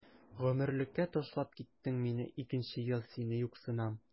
Гомерлеккә ташлап киттең мине, икенче ел сине юксынам.